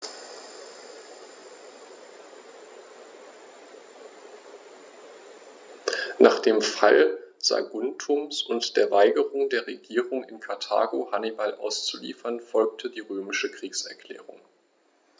Nach dem Fall Saguntums und der Weigerung der Regierung in Karthago, Hannibal auszuliefern, folgte die römische Kriegserklärung.